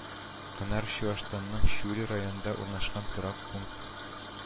Конар Чуашстанның Чуел районында урнашкан торак пункт